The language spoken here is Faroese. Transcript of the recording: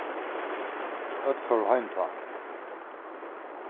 øll fóru heim tá